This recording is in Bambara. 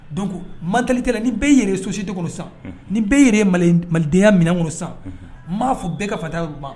Don ko man tali tɛla ni bɛɛ yɛrɛ sosite sa ni bɛɛ malidenyaya minɛnan kɔnɔ san ma fo bɛɛ ka fata ban